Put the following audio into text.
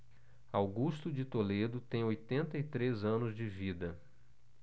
augusto de toledo tem oitenta e três anos de vida